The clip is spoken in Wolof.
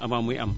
avant muy am